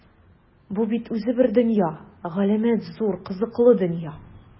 Бу бит үзе бер дөнья - галәмәт зур, кызыклы дөнья!